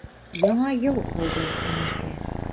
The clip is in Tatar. Яңа ел алды, минемчә.